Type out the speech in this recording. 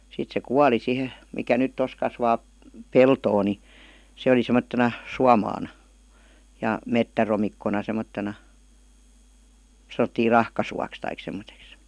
sitten se kuoli siihen mikä nyt tuossa kasvaa peltoa niin se oli semmoisena suomaana ja metsäromikkona semmoisena sanottiin rahkasuoksi tai semmoiseksi